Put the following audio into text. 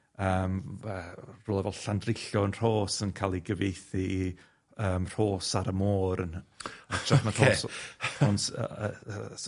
yym yy rywle fel Llandrillo yn Rhos yn cael ei gyfieithu i yym Rhos ar y Môr yn hy... Oce. ....hytrach na Rhos w-... Ond yy yy yy s-